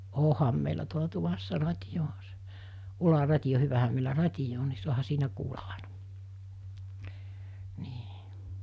onhan meillä tuolla tuvassa radio onhan se ularadio hyvähän meillä radio on niin saanut siinä kuulla aina niin